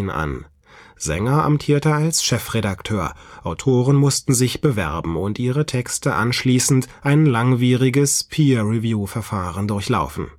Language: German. an: Sanger amtierte als Chefredakteur, Autoren mussten sich bewerben und ihre Texte anschließend ein langwieriges Peer-Review-Verfahren durchlaufen